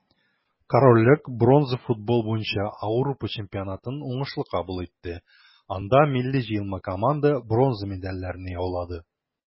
Корольлек бронза футбол буенча Ауропа чемпионатын уңышлы кабул итте, анда милли җыелма команда бронза медальләрне яулады.